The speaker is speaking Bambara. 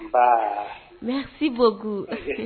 Ba mɛ si bɔbugu